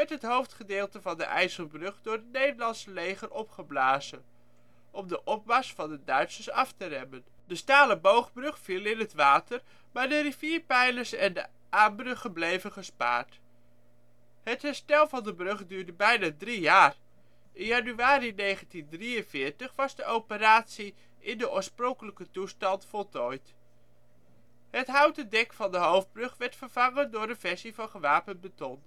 het hoofdgedeelte van de IJsselbrug door het Nederlandse leger opgeblazen, om de opmars van de Duitsers af te remmen. De stalen boogbrug viel in het water, maar de rivierpijlers en de aanbruggen bleven gespaard. Het herstel van de brug duurde bijna 3 jaar. In januari 1943 was operatie " in den oorspronkelijke toestand " voltooid. Het houten dek van de hoofdbrug werd vervangen door een versie van gewapend beton